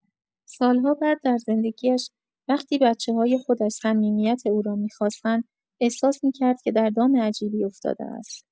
سال‌ها بعد در زندگی‌اش، وقتی بچه‌های خودش صمیمیت او را می‌خواستند، احساس می‌کرد که در دام عجیبی افتاده است.